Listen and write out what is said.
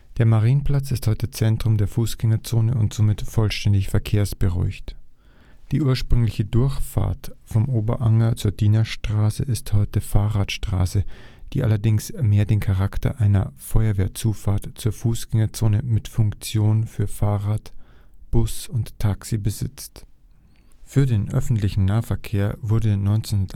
Der Marienplatz ist heute Zentrum der Fußgängerzone und somit vollständig verkehrsberuhigt. Die ursprüngliche Durchfahrt vom Oberanger zur Dienerstraße ist heute Fahrradstraße, die allerdings mehr den Charakter einer Feuerwehrzufahrt zur Fußgängerzone mit Funktionen für Fahrrad, Bus und Taxi besitzt. Für den öffentlichen Nahverkehr wurde 1971